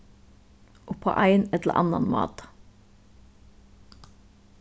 upp á ein ella annan máta